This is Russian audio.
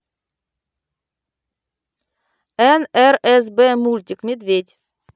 нрзб мультик медведь